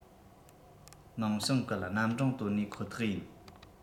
མིང བྱང བཀལ རྣམ གྲངས བཏོན ནས ཁོ ཐག ཡིན